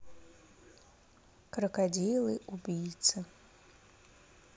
крокодилы убийцы